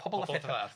Pobol a phetha.